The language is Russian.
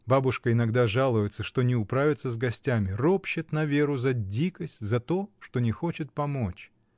Бабушка иногда жалуется, что не управится с гостями, ропщет на Веру за дикость, за то, что не хочет помочь.